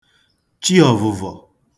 chi ọ̀vụ̀vọ̀